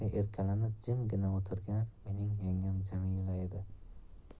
o'tirgan mening yangam jamila edi